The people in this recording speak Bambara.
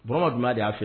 Bamanan jumɛn de y'a